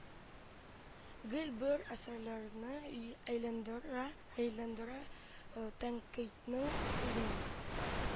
Гел бер әсәрләрне әйләндерә-әйләндерә тәнкыйтьнең үзенең